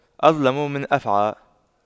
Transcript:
أظلم من أفعى